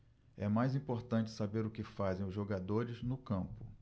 é mais importante saber o que fazem os jogadores no campo